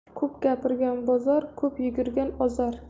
ko'p gapirgan bozor ko'p yugurgan ozar